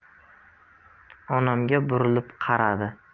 onamga burilib qaradi